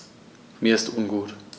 Mir ist ungut.